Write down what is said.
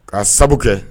Ka'a sababu kɛ